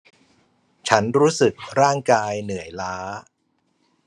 ฉันรู้สึกร่างกายเหนื่อยล้า